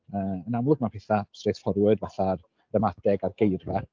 yy yn amlwg ma' pethau straight forward fatha'r gramadeg a'r geirfa.